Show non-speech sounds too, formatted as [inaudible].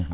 [hesitation] [hesitation]